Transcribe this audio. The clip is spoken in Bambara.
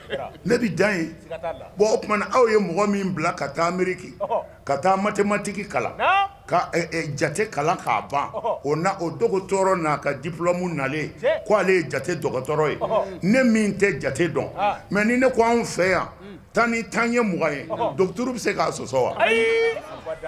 Ne bɛ tumaumana aw ye mɔgɔ min bila ka taa miri ka taa matɛmatigi kalan jate kalan k'a ban o o dɔgɔ tɔɔrɔ n'a ka dipmu nalen koale ye jate dɔgɔtɔrɔ ye ne min tɛ jate dɔn mɛ ni ne ko anw fɛ yan tan ni tan ye mɔgɔ ye douru bɛ se k'a sɔsɔ wa